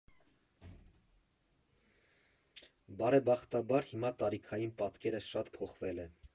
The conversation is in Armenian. Բարեբախտաբար հիմա տարիքային պատկերը շատ փոխվել է։